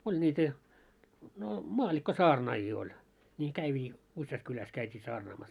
oli niitä no maallikkosaarnaajia oli niin käyvät useasti kylässä käytiin saarnaamassa